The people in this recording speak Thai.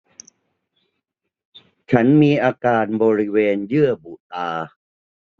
ฉันมีอาการบริเวณเยื่อบุตา